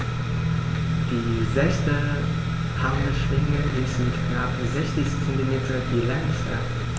Die sechste Handschwinge ist mit knapp 60 cm die längste.